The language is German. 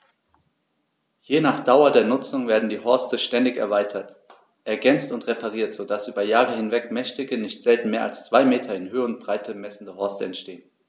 Je nach Dauer der Nutzung werden die Horste ständig erweitert, ergänzt und repariert, so dass über Jahre hinweg mächtige, nicht selten mehr als zwei Meter in Höhe und Breite messende Horste entstehen.